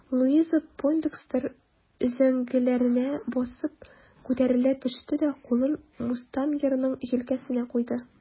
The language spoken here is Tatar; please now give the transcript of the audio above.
Луиза Пойндекстер өзәңгеләренә басып күтәрелә төште дә кулын мустангерның җилкәсенә куйды.